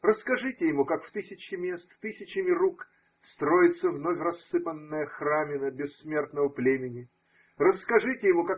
Расскажите ему, как в тысяче мест тысячами рук строится вновь рассыпанная храмина бессмертного племени. Расскажите ему.